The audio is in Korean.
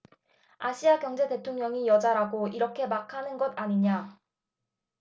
아시아경제 대통령이 여자라고 이렇게 막 하는 것 아니냐